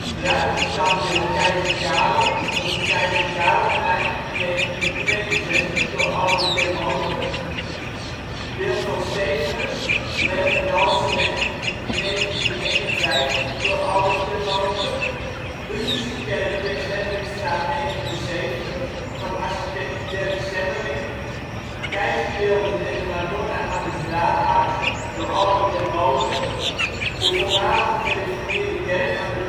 Ruiterstandbeeld Keizer Karel, Keizer Karelplein, 1962, door Albert Termote Beeld van " Stephanus ", Berg en Dalseweg, 1951, door Albert Termote Lutherse kerk Prins Hendrikstraat 79 van architect Derk Semmelink Keizerbeelden en de madonna aan het Raadhuis, door Albert Termote De voormalige gereformeerde kerk aan de